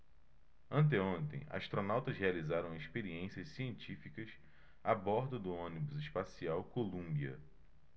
anteontem astronautas realizaram experiências científicas a bordo do ônibus espacial columbia